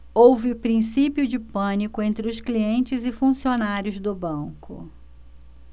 houve princípio de pânico entre os clientes e funcionários do banco